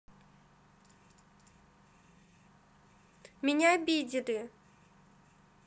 меня обидели